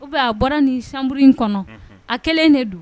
U bɛ a bɔra ni saburu in kɔnɔ a kɛlen de don